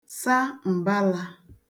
-sá ḿbálā